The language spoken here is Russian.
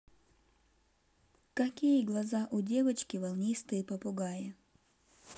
какие глаза у девочки волнистые попугаи